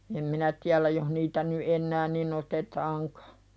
en minä tiedä jos niitä nyt enää niin otetaankaan